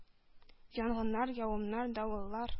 Янгыннар, явымнар, давыллар,